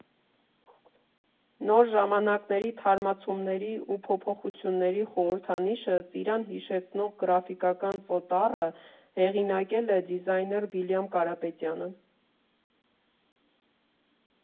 Նոր ժամանակների, թարմացումների ու փոփոխությունների խորհրդանիշը՝ ծիրան հիշեցնող գրաֆիկական Ծ տառը, հեղինակել է դիզայներ Վիլյամ Կարապետյանը։